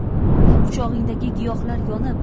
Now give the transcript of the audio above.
quchog'ingdagi giyohlar yonib